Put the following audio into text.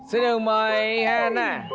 xin được mời ha na